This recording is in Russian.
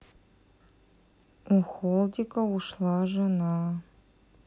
у холдика ушла жена